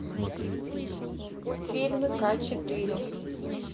фильмы ка четыре